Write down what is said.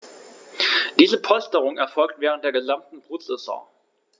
Diese Polsterung erfolgt während der gesamten Brutsaison.